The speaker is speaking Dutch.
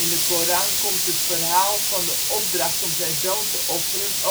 de Koran komt het verhaal van de opdracht om zijn zoon te offeren